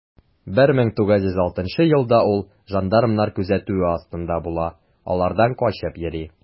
1906 елда ул жандармнар күзәтүе астында була, алардан качып йөри.